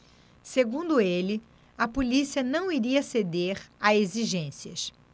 segundo ele a polícia não iria ceder a exigências